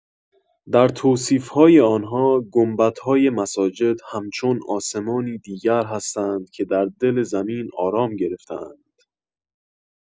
در توصیف‌های آن‌ها، گنبدهای مساجد همچون آسمانی دیگر هستند که در دل زمین آرام گرفته‌اند.